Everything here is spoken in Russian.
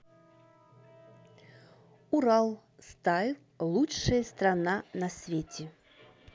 урал стайл лучшая страна на свете